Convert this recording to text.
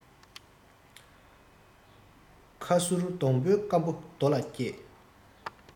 ཁ སུར སྡོང པོ སྐམ པོའི རྡོ ལ སྐྱེས